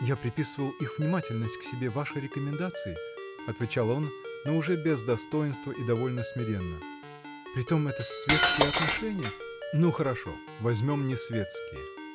– Я приписывал их внимательность к себе вашей рекомендации – отвечал он но уже без достоинства а довольно смиренно. – Притом это светские отношения. – Ну, хорошо; возьмем несветские.